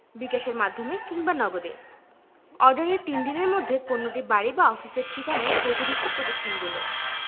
বিকাশের মাধ্যমে কিংবা নগদে অর্ডারের তিন দিনের মধ্যে পণ্যটি বাড়ি বা অফিসের ঠিকানায় পৌঁছে দিচ্ছে প্রতিষ্ঠানগুলো